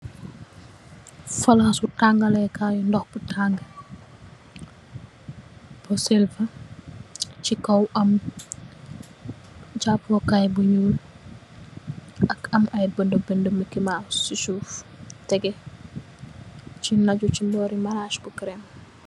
Palasu tangaleh Kai ndox bu tanga bu Silva si kaw am japokay bu ñul ak am ayy bindi bindi bu tegu naju si marage bi green.